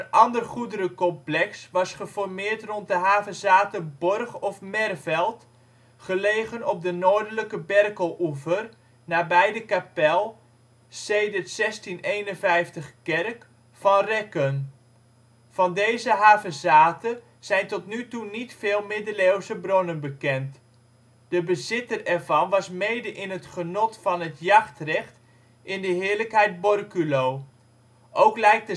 ander goederencomplex was geformeerd rond de havezate Borgh of Merveld, gelegen op de noordelijke Berkeloever nabij de kapel, sedert 1651 kerk van Rekken. Van deze havezate zijn tot nu toe niet veel middeleeuwse bronnen bekend. De bezitter ervan was mede in het genot van het jachtrecht in de heerlijkheid Borculo. Ook lijkt